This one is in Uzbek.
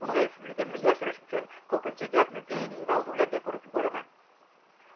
o'ng'aysizligimni yashirish uchun ko'pincha gapni diniy mavzularga burib yuboraman